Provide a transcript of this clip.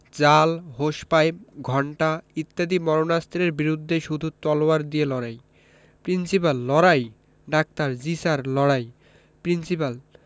জাল hose pipe ঘণ্টা ইত্যাদি মারণাস্ত্রের বিরুদ্ধে শুধু তলোয়ার দিয়ে লড়াই প্রিন্সিপাল লড়াই ডাক্তার জ্বী স্যার লড়াই প্রিন্সিপাল